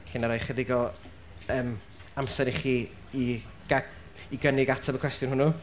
Felly wna i roi chydig o yym amser i chi i ga- gynnig ateb y cwestiwn hwnnw.